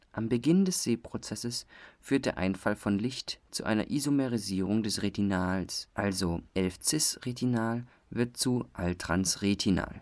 Am Beginn des Sehprozesses führt der Einfall von Licht zu einer Isomerisierung des Retinals (11-cis-Retinal → all-trans-Retinal